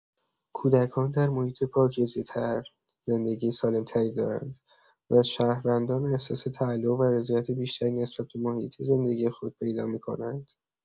کودکان در محیط پاکیزه‌تر زندگی سالم‌تری دارند و شهروندان احساس تعلق و رضایت بیشتری نسبت به محیط زندگی خود پیدا می‌کنند.